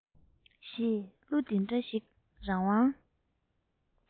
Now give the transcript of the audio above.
ཞེས གླུ འདི འདྲ ཞིག རང དབང